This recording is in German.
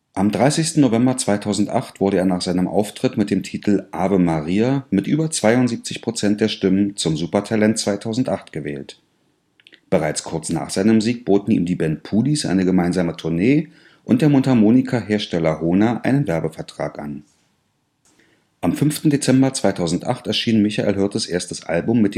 Am 30. November 2008 wurde er nach seinem Auftritt mit dem Titel Ave Maria mit über 72 Prozent der Stimmen zum „ Supertalent 2008 “gewählt. Bereits kurz nach seinem Sieg boten ihm die Band Puhdys eine gemeinsame Tournee und der Mundharmonika-Hersteller Hohner einen Werbevertrag an. Am 5. Dezember 2008 erschien Michael Hirtes erstes Album